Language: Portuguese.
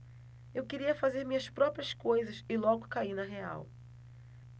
eu queria fazer minhas próprias coisas e logo caí na real